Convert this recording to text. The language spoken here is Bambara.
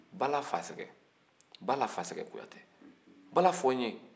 balafasɛgɛ balafasɛgɛ kuyate bala fɔ n ye